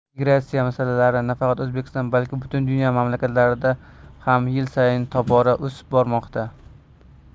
migratsiya masalalari nafaqat o'zbekiston balki butun dunyo mamlakatlarida ham yil sayin tobora o'sib bormoqda